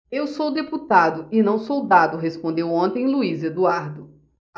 eu sou deputado e não soldado respondeu ontem luís eduardo